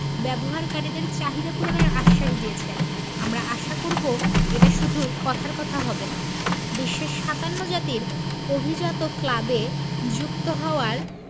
ব্যবহারকারীদের চাহিদা পূরণের আশ্বাস দিয়েছেন আমরা আশা করব এটা শুধু কথার কথা হবে না বিশ্বের ৫৭ জাতির অভিজাত ক্লাবে যুক্ত হওয়ার